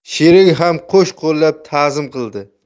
sherigi ham qo'sh qo'llab ta'zim qildi